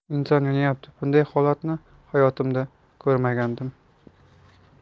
inson yonyapti bunday holatni hayotimda ko'rmagandim